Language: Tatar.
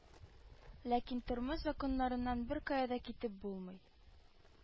Ләкин тормыш законнарыннан беркая да китеп булмый